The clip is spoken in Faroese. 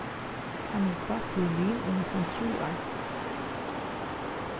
hann hevur spælt violin í næstan trý ár